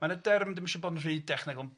Ma' na derm, dwi'm isio bod yn rhy dechnegol